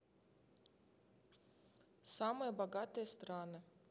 самые богатые страны